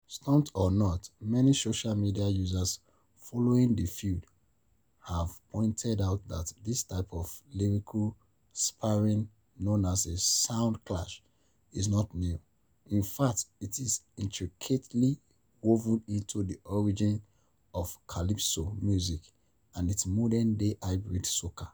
Stunt or not, many social media users following the feud have pointed out that this type of lyrical sparring (known as a "sound clash") is not new; in fact, it is intricately woven into the origins of calypso music, and its modern-day hybrid, soca.